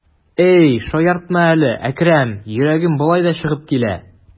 Әй, шаяртма әле, Әкрәм, йөрәгем болай да чыгып килә.